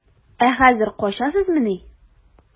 Ә хәзер качасызмыни?